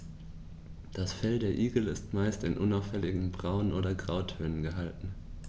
Das Fell der Igel ist meist in unauffälligen Braun- oder Grautönen gehalten.